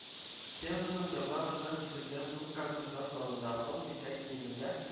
Пензаның яңа гына төзелгән Зур концертлар залында! Ханбикә киемендә